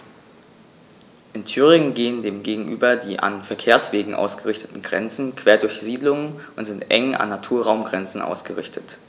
In Thüringen gehen dem gegenüber die an Verkehrswegen ausgerichteten Grenzen quer durch Siedlungen und sind eng an Naturraumgrenzen ausgerichtet.